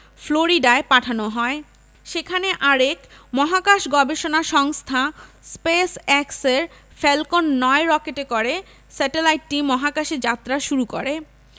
ফ্লোরিডায় পাঠানো হয় সেখানে আরেক মহাকাশ গবেষণা সংস্থা স্পেসএক্সের ফ্যালকন ৯ রকেটে করে স্যাটেলাইটটি মহাকাশে যাত্রা শুরু করে